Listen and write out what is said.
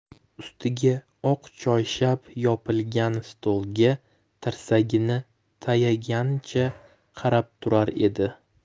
ustiga oq choyshab yopilgan stolga tirsagini tayaganicha qarab turar edi